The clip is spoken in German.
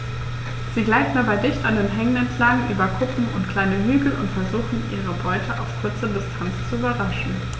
Sie gleiten dabei dicht an Hängen entlang, über Kuppen und kleine Hügel und versuchen ihre Beute auf kurze Distanz zu überraschen.